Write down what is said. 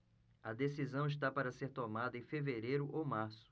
a decisão está para ser tomada em fevereiro ou março